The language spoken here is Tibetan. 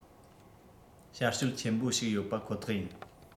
བྱ སྤྱོད ཆེན པོ ཞིག ཡོད པ ཁོ ཐག ཡིན